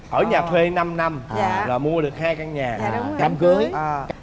ở nhà thuê năm năm dạ rồi mua được hai căn nhà dạ đúng rồi đám cưới